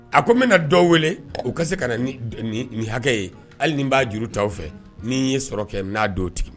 A ko n bɛna na dɔ wele u ka se ka na nin hakɛ ye hali ni b'a juru ta fɛ ni ye sɔrɔ kɛ n'a don tigi